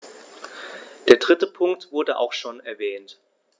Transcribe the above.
Der dritte Punkt wurde auch schon erwähnt.